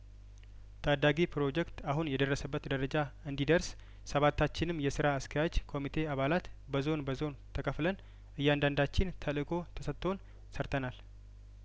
ታዳጊ ፕሮጀክት አሁን የደረሰበት ደረጃ እንዲደርስ ሰባታችንም የስራ አስኪያጅ ኮሚቴ አባላት በዞን በዞን ተከፍለን እያንዳንዳችን ተልእኮ ተሰጥቶን ሰርተናል